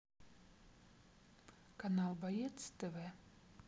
канал боец тв